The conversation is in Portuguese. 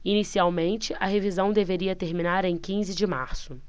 inicialmente a revisão deveria terminar em quinze de março